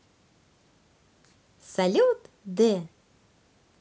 салют д